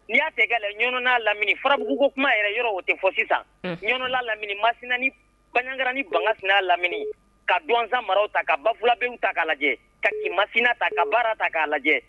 Ni y'a tɛ la ɲɔgɔnɔn'a lamini furabuguugu kuma yɛrɛ yɔrɔ o tɛ fɔ sisan ɲɔgɔnɔnla lamini masina ni bakaran ni bagans aa lamini ka gansan maraw ta ka bafuladenw ta'a lajɛ ka kii masina ta ka baara ta k'a lajɛ